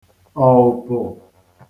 ọ̀ụpụ̀